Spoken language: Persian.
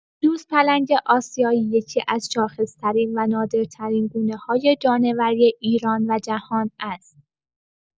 یوزپلنگ آسیایی یکی‌از شاخص‌ترین و نادرترین گونه‌های جانوری ایران و جهان است.